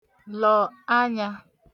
lọ̀ anyā